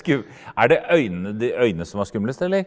sku er det øynene de øynene som er skumlest eller?